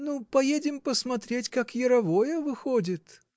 — Ну поедем посмотреть, как яровое выходит.